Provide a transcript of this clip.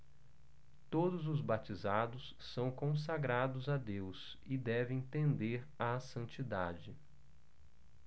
todos os batizados são consagrados a deus e devem tender à santidade